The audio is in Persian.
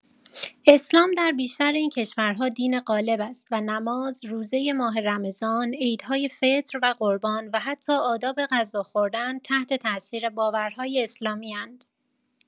اسلام در بیشتر این کشورها دین غالب است و نماز، روزه ماه رمضان، عیدهای فطر و قربان و حتی آداب غذا خوردن تحت‌تأثیر باورهای اسلامی‌اند.